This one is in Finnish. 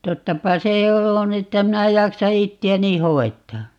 tottapa se on että minä jaksan itseäni hoitaa